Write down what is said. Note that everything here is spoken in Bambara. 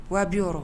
Wabi rɔ